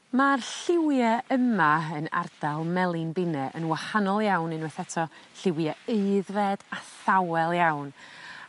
Ma'r lliwie yma yn ardal Melin Binne yn wahanol iawn unwaith eto llywie aeddfed a thawel iawn.